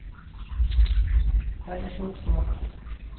royn ikki at hugsa um okkum